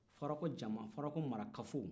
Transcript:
farakɔ jama farakɔ marakafo